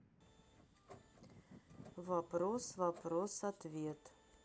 вопрос вопрос ответ